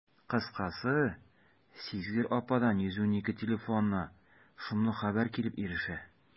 Кыскасы, сизгер ападан «112» телефонына шомлы хәбәр килеп ирешә.